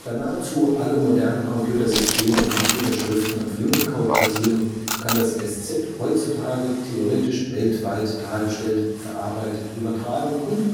nahezu alle modernen Computersysteme und - schriften auf Unicode basieren, kann das Eszett heutzutage theoretisch weltweit dargestellt, verarbeitet, übertragen und